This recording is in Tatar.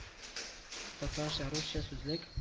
Татарча-русча сүзлек